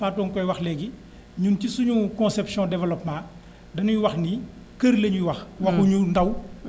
Fatou a ngi koy wax léegi ñun ci sunu conception développement dañuy wax ni kër la ñuy wax waxuñu ndaw